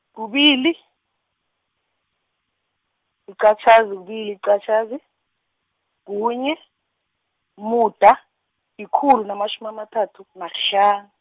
kubili, yiqatjhazi kubili yiqatjhazi, kunye, umuda, yikhulu namatjhumi amathathu nakuhla-.